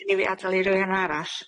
Wanci ni fi adel i rywun arall,